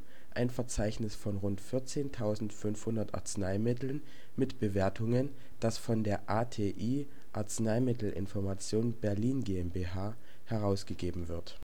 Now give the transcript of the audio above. Verzeichnis von rund 14.500 Arzneimitteln mit Bewertungen, das von der A.T.I. Arzneimittelinformation Berlin GmbH in Berlin herausgegeben wird